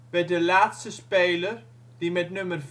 werd de laatste speler die met nummer